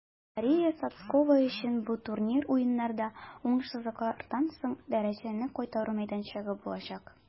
Мария Сотскова өчен бу турнир Уеннарда уңышсызлыклардан соң дәрәҗәне кайтару мәйданчыгы булачак.